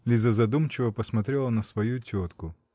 Лиза задумчиво посмотрела на свою тетку.